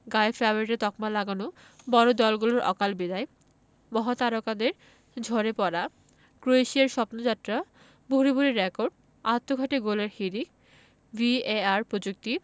গায়ে ফেভারিটের তকমা লাগানো বড় দলগুলোর অকাল বিদায় মহাতারকাদের ঝরে পড়া ক্রোয়েশিয়ার স্বপ্নযাত্রা ভূরি ভূরি রেকর্ড আত্মঘাতী গোলের হিড়িক ভিএআর প্রযুক্তি